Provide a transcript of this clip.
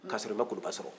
k'a sɔrɔ i m'a kuluba sɔrɔ